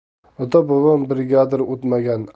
ota bobom brigadir o'tmagan